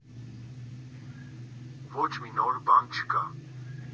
Ոչ մի նոր բան չկա»։